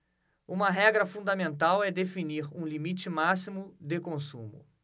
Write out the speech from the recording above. uma regra fundamental é definir um limite máximo de consumo